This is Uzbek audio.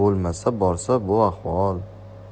bo'lmasa borsa bu ahvol